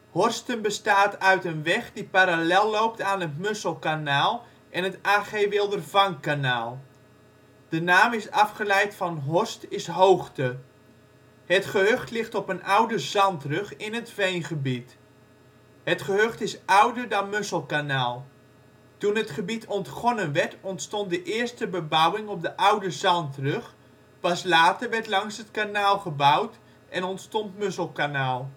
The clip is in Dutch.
Hortsten bestaat uit een weg die parallel loopt aan het Musselkanaal en het A.G. Wildervanckkanaal. De naam is afgeleid van horst = hoogte. Het gehucht ligt op een oude zandrug in het veengebied. Het gehucht is ouder dan Musselkanaal. Toen het gebied ontgonnen werd ontstond de eerste bebouwing op de oude zandrug, pas later werd langs het kanaal gebouwd en ontstond Musselkanaal